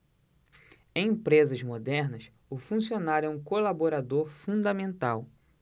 em empresas modernas o funcionário é um colaborador fundamental